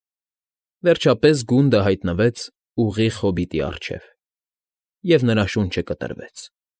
Վերջապես գունդը հայտնվեց ուղիղ հոբիտի առջև, և նրա շունչը կտրվեց։